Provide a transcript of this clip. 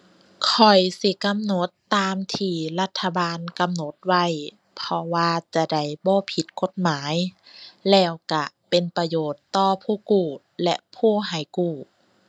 ข้อยสิกำหนดตามที่รัฐบาลกำหนดไว้ เพราะว่าจะได้บ่ผิดกฎหมาย แล้วก็เป็นประโยชน์ต่อผู้กู้และผู้ให้กู้